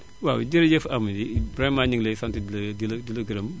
waaw jërëjëf Amady vraiment ñu ngi lay sant di la di la di la gërëm